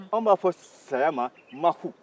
an b'a fɔ sayama mafu